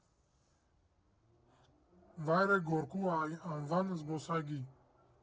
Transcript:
Վայրը՝ Գորկու անվան զբոսայգի։